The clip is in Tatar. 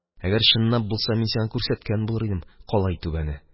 Әгәр чынлап булса, мин сиңа күрсәткән булыр идем калай түбәне